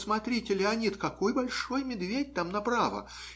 Посмотрите, Леонид, какой большой медведь, там, направо.